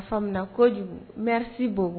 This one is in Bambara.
A fa kojugu n bɛsi bɔ